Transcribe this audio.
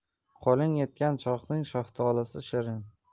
qo'ling yetgan shoxning shaftolisi shirin